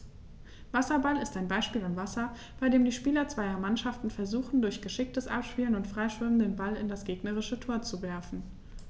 Wasserball ist ein Ballspiel im Wasser, bei dem die Spieler zweier Mannschaften versuchen, durch geschicktes Abspielen und Freischwimmen den Ball in das gegnerische Tor zu werfen.